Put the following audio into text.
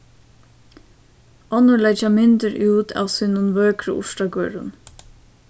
onnur leggja myndir út av sínum vøkru urtagørðum